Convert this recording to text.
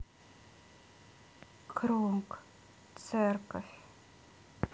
круг церковь